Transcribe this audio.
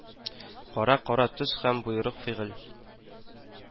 Кара кара төс һәм боерык фигыль